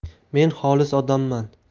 men xolis odamman